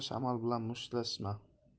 shamol bilan mushtlashma